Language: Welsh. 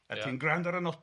a ti'n grando ar y nodyn